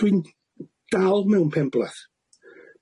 Dwi'n dal mewn penblath.